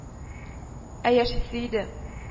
Ә яшисе иде